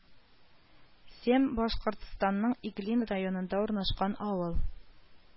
Сем Башкортстанның Иглин районында урнашкан авыл